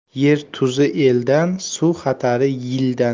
yer tuzi eldan suv xatari yildan